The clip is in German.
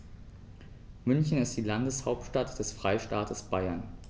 München ist die Landeshauptstadt des Freistaates Bayern.